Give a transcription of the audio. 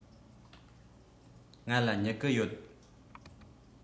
ང ལ སྨྱུ གུ ཡོད